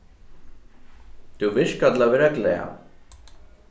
tú virkar til at vera glað